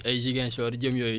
ay Ziguinchor jëm yooyu